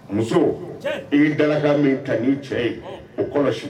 Muso, tiɲɛ, i k'i dalakan min ta n'i cɛ ye ,ɔn,o kɔlɔsi.